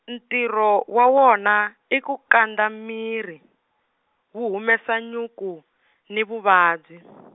ntirho wa wona i ku kandza miri, wu humesa nyuku, ni vuvabyi.